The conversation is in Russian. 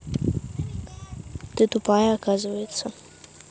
ты тупая оказывается